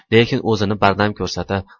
lekin o'zini bardam ko'rsatib